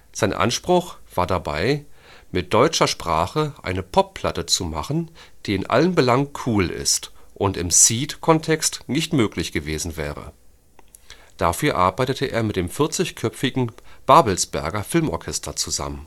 Sein Anspruch war dabei „ mit deutscher Sprache eine Pop-Platte zu machen, die in allen Belangen cool ist “und „ im Seeed-Kontext nicht möglich gewesen wäre “. Dafür arbeitete er mit dem 40-köpfigen Babelsberger Filmorchester zusammen